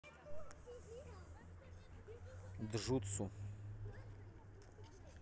джутсу